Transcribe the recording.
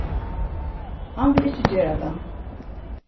hann vil ikki gera tað